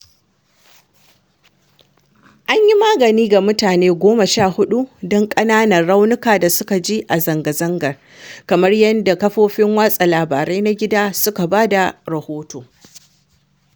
An yi magani ga mutane goma sha huɗu don ƙananan raunuka da suka ji a zanga-zangar, kamar yadda kafofin watsa labarai na gida suka ba da rahoto.